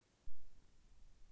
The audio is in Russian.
остров кунашир поселок дубовое